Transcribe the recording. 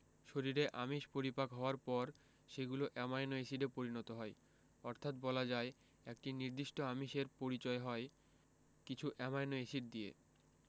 শরীরে আমিষ পরিপাক হওয়ার পর সেগুলো অ্যামাইনো এসিডে পরিণত হয় অর্থাৎ বলা যায় একটি নির্দিষ্ট আমিষের পরিচয় হয় কিছু অ্যামাইনো এসিড দিয়ে